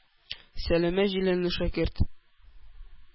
Сәләмә җиләнле шәкерт,